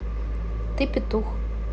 ты петух